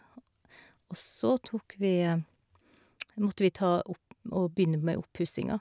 Og så tok vi måtte vi ta opp og begynne med oppussinga.